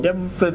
dem kër